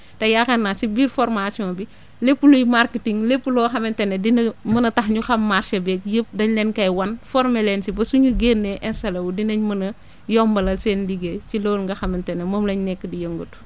te yaakaar naa si biir formation bi lépp luy marketing lépp loo xamante ne dina mën a tax ñu xam marché beeg yëpp dañ lee koy wan former leen si ba suñu génnee installé wu dinañ mën a yombalal seen liggéey ci loolu nga xamante ne moom lañ nekk di yëngatu